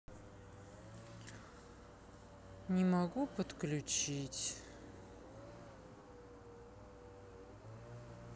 не могу подключить